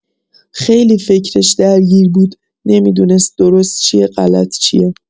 خیلی فکرش درگیر بود، نمی‌دونست درست چیه غلط چیه!